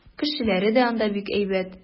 Кешеләре дә анда бик әйбәт.